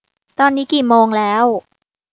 ตอนนี้กี่โมงแล้ว